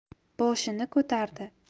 boshini ko'tardi